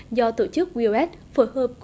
do tổ chức uy ét phối hợp